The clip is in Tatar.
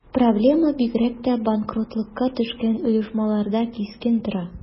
Проблема бигрәк тә банкротлыкка төшкән оешмаларда кискен тора.